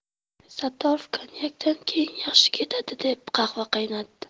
sattorov konyakdan keyin yaxshi ketadi deb qahva qaynatdi